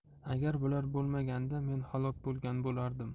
agar bular bo'lmaganida men halok bo'lgan bo'lardim